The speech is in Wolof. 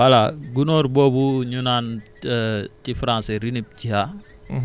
voilà gunóor boobu ñu naan ci français rinubia